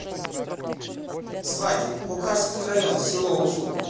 свадьба курахский район село услуг